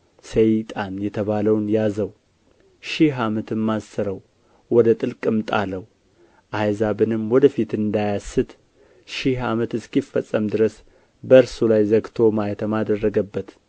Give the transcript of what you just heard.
ሰይጣን የተባለውን ያዘው ሺህ ዓመትም አሰረው ወደ ጥልቅም ጣለው አሕዛብንም ወደ ፊት እንዳያስት ሺህ ዓመት እስኪፈጸም ድረስ በእርሱ ላይ ዘግቶ ማኅተም አደረገበት